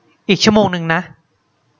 อีกชั่วโมงนึงนะ